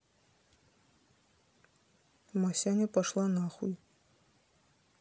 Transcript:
масяня пошла нахуй